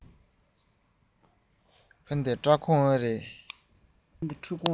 ཕ གི སྐྲ ཁང རེད པས